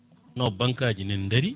no banque aji nani daari